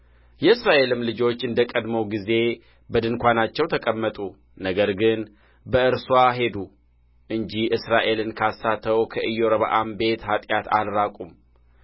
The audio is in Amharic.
የእስራኤልም ልጆች እንደ ቀድሞው ጊዜ በድንኳናቸው ተቀመጡ ነገር ግን በእርስዋ ሄዱ እንጂ እስራኤልን ካሳተው ከኢዮርብዓም ቤት ኃጢአት አልራቁም